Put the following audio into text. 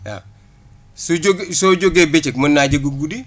waaw suy jóg soo jógee bëccëg mën naa jóg guddi